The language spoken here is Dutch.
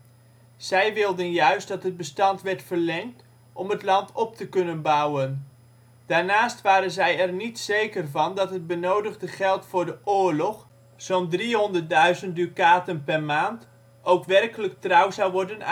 Zij wilden juist dat het Bestand werd verlengd, om het land op te kunnen bouwen. Daarnaast waren zij niet zeker van dat het benodigde geld voor de oorlog, zo 'n 300.000 dukaten per maand ook werkelijk trouw werden uitbetaald